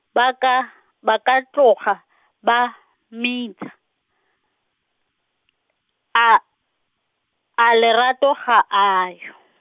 ba ka, ba ka tloga, ba, mmitsa, a, a Lerato ga a yo?